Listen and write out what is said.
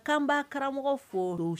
K'an b'a karamɔgɔ foro